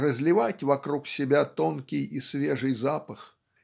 разливать вокруг себя тонкий и свежий запах